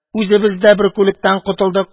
Үзебез дә бөркүлектән котылдык